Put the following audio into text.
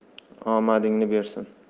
omadingni bersin